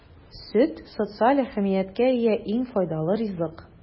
Сөт - социаль әһәмияткә ия иң файдалы ризык.